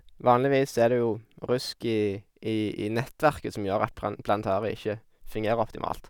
Vanligvis så er det jo rusk i i i nettverket som gjør at pran planetariet ikke fungerer optimalt.